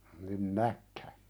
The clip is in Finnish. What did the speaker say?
niin näkki